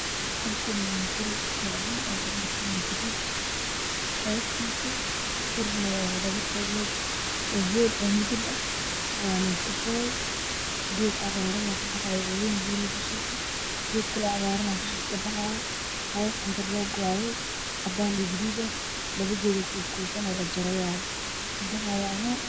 Waa meel guri ah waxaa ka baxaayo geedo cadaan ah